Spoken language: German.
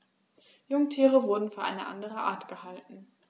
Jungtiere wurden für eine andere Art gehalten.